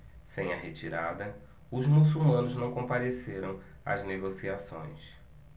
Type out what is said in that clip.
sem a retirada os muçulmanos não compareceram às negociações